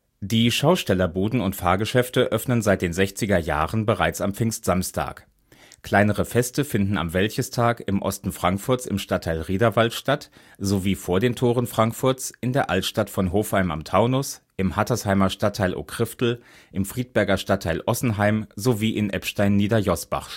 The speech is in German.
Die Schaustellerbuden und Fahrgeschäfte öffnen seit den sechziger Jahren bereits am Pfingstsamstag. Kleinere Feste finden am Wäldchestag im Osten Frankfurts im Stadtteil Riederwald statt sowie vor den Toren Frankfurts, in der Altstadt von Hofheim am Taunus, im Hattersheimer Stadtteil Okriftel, im Friedberger Stadtteil Ossenheim sowie in Eppstein-Niederjosbach